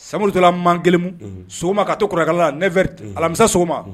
Sabula tɛna man kelenmu soma ka to kɔrɔkɛkala la ne alamisa so ma